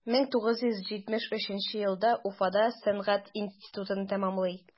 1973 елда уфада сәнгать институтын тәмамлый.